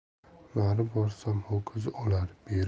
nari borsam ho'kiz o'lar